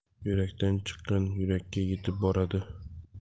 yurakdan chiqqan yurakka yetib boradi